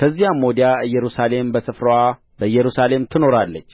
ከዚያም ወዲያ ኢየሩሳሌም በስፍራዋ በኢየሩሳሌም ትኖራለች